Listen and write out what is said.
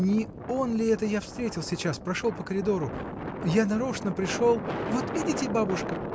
Не он ли это, я встретил сейчас, прошел по коридору? Я нарочно пришел. — Вот видите, бабушка?